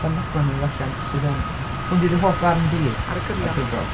Llanfaglan wnawn ni ddarllen sydd yn... hwn 'di dy hoff ddarn di... Ar y Cyrion... o'r gyfrol.